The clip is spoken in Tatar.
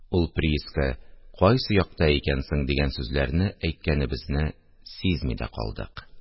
– ул прииска кайсы якта икән соң? – дигән сүзләрне әйткәнебезне сизми дә калдык